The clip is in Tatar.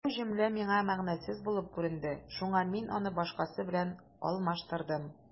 Бу җөмлә миңа мәгънәсез булып күренде, шуңа мин аны башкасы белән алмаштырдым.